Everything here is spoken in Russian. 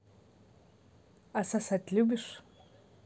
а сосать любишь